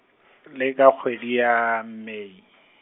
le ka kgwedi ya Mei.